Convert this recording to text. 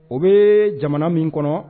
O bɛ jamana min kɔnɔ